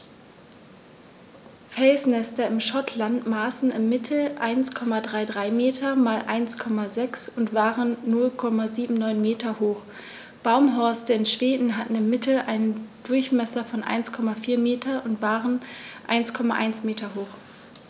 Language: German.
Felsnester in Schottland maßen im Mittel 1,33 m x 1,06 m und waren 0,79 m hoch, Baumhorste in Schweden hatten im Mittel einen Durchmesser von 1,4 m und waren 1,1 m hoch.